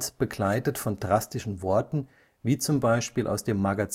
begleitet von drastischen Worten wie etwa „ die